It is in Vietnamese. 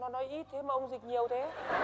nó nói ít thế mà ông dịch nhiều thế